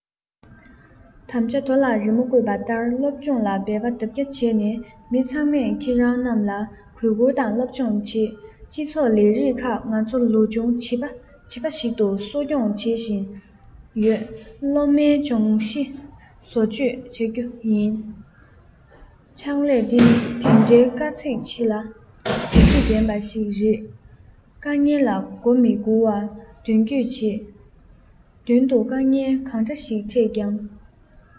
དམ བཅའ རྡོ ལ རི མོ བརྐོས པ ལྟར སློབ སྦྱོང ལ འབད པ ལྡབ བརྒྱ བྱས ནས མི ཚང མས ཁྱེད རང རྣམས ལ གུས བཀུར དང སློབ སྦྱོང བྱེད སྤྱི ཚོགས ལས རིགས ཁག ང ཚོ ལོ ཆུང བྱིས པ བྱིས པ ཞིག གསོ སྐྱོང བྱེད བཞིན ཡོད སློབ མའི སྦྱོང གཞི བཟོ བཅོས བྱ རྒྱུ ཡིན ཕྱག ལས དེ ནི འདི འདྲའི དཀའ ཚེགས ཆེ ལ གཟི བརྗིད ལྡན པ ཞིག རེད དཀའ ངལ ལ མགོ མི སྒུར བར མདུན སྐྱོད བྱེད མདུན དུ དཀའ ངལ གང འདྲ ཞིག ཕྲད ཀྱང